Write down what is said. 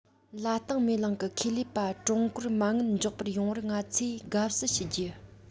ལ ཏིང མེ གླིང གི ཁེ ལས པ ཀྲུང གོར མ དངུལ འཇོག པར ཡོང བར ང ཚོས དགའ བསུ ཞུ རྒྱུ